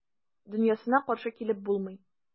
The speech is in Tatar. Дөньясына каршы килеп булмый.